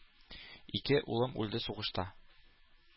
Ике улым үлде сугышта,